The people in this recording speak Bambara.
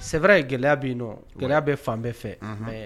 Sɛbɛɛrɛ ye gɛlɛya bɛ yen nɔ gɛlɛya bɛ fan bɛɛ fɛ ye